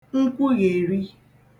nkwughèri